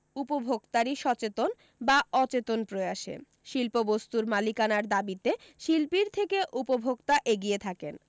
উপভোক্তারি সচেতন বা অচেতন প্রয়াসে শিল্পবস্তুর মালিকানার দাবীতে শিল্পীর থেকে উপভোক্তা এগিয়ে থাকেন